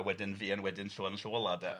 a wedyn fuan wedyn Llywelyn 'n Llyw Ola', 'de? Ia.